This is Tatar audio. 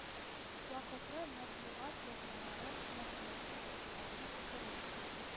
Вакытлы матбугат язмаларын, мəгълүмати текстларны укырга